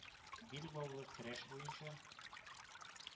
Билбаулы көрәш буенча